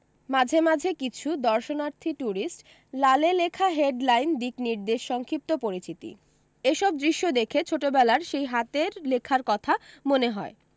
মাঝে মাঝে কিছু দর্শনার্থী ট্যুরিস্ট লালে লেখা হেড লাইন দিকনির্দেশ সংক্ষিপ্ত পরিচিতি এসব দৃশ্য দেখে ছোটোবেলার সেই হাতের লেখার কথা মনে হয়